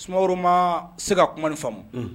Sumaworo ma se ka kuma ni faamumu